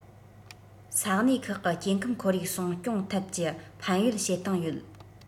ས གནས ཁག གི སྐྱེ ཁམས ཁོར ཡུག སྲུང སྐྱོང ཐད ཀྱི ཕན ཡོད བྱེད སྟངས ཡོད